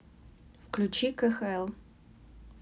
включи кхл